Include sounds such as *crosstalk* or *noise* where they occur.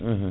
*hesitation* *hesitation*